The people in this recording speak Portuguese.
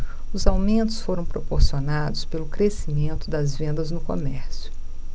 os aumentos foram proporcionados pelo crescimento das vendas no comércio